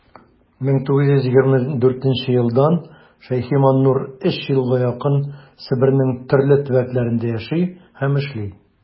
1924 елдан ш.маннур өч елга якын себернең төрле төбәкләрендә яши һәм эшли.